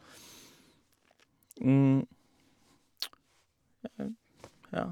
Ja.